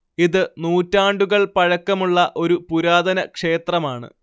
ഇത് നൂറ്റാണ്ടുകൾ പഴക്കമുള്ള ഒരു പുരാതന ക്ഷേത്രമാണ്